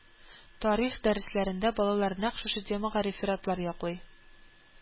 Тарих дәресләрендә балалар нәкъ шушы темага рефератлар яклый